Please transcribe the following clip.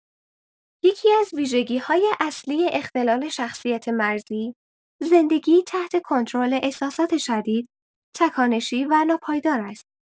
یکی‌از ویژگی‌های اصلی اختلال شخصیت مرزی، زندگی تحت کنترل احساسات شدید، تکانشی و ناپایدار است.